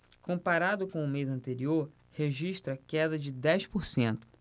comparado com o mês anterior registra queda de dez por cento